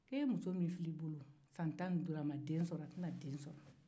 k'e muso min filɛ i bolo san tan ni duuru a ma den sɔrɔ a tɛna den sɔrɔ